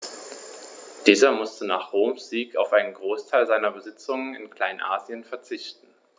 Dieser musste nach Roms Sieg auf einen Großteil seiner Besitzungen in Kleinasien verzichten.